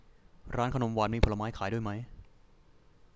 ร้านขนมหวานมีผลไม้ขายด้วยไหม